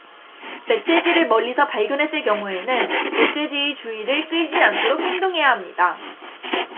멧돼지를 멀리서 발견했을 경우에는 멧돼지의 주의를 끌지 않도록 행동해야 합니다